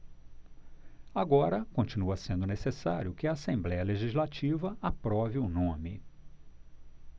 agora continua sendo necessário que a assembléia legislativa aprove o nome